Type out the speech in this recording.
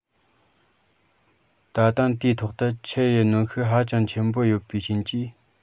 ད དུང དེའི ཐོག ཏུ ཆུ ཡི གནོན ཤུགས ཧ ཅང ཆེན པོ ཡོད པའི རྐྱེན གྱིས